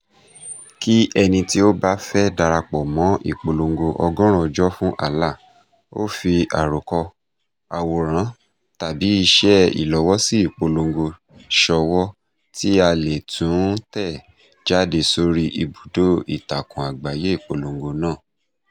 Kí ẹni tí ó bá fẹ́ darapọ̀ mọ́ ìpolongo "100 ọjọ́ fún Alaa" ó fi "àròkọ, àwòrán tàbí ìṣe ìlọ́wọ́sí ìpolongo" ṣọwọ́ tí a lè tún tẹ̀ jáde sórí ibùdó-ìtàkùn-àgbáyé ìpolongo náà: